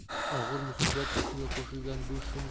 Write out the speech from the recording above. og'ir musibat ustiga qo'shilgan bu